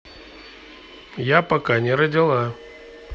я пока не родила